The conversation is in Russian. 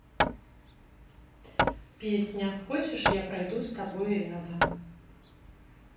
песня хочешь я пройду с тобой рядом